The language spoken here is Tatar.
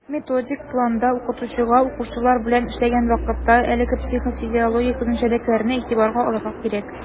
Методик планда укытучыга, укучылар белән эшләгән вакытта, әлеге психофизиологик үзенчәлекләрне игътибарга алырга кирәк.